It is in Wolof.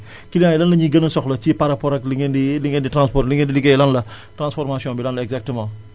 client yi lan la ñuy gën a soxlaci par rapport ak li ngeen di li ngeen di transfor li ngeen di liggéey lan la transformation bi lan la exactement